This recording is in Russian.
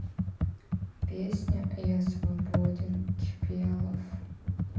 песня я свободен кипелов